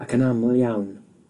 ac yn aml iawn